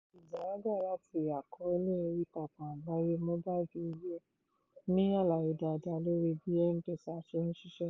David Zarraga, láti àkọọ́lẹ̀ oríìtakùn àgbáyé Mobile Behavior ní àlàyé dáadáa lórí bí M-Pesa ṣe ń ṣiṣẹ́.